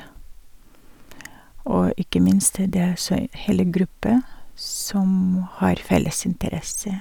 Og ikke minst det er så e hele gruppe som har felles interesse.